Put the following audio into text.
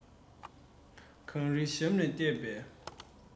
གངས རིའི ཞབས ནས ལྟས པས